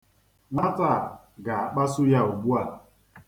Nwata a ga-akpasu ya ugbu a.